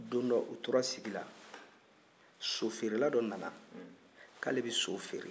don dɔ u tora sigi la so feerela dɔ nana ko ale bɛ so feere